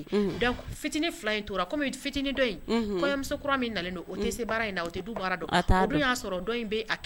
Unhun Donc ficiini 2 in tora komi ficiini dɔ in, unhun, koɲɛnmuso kura min nalen do o tɛ se baara in na, o tɛ du baara don, a t'a don, o dun y'a sɔrɔ do in bɛ a kɛ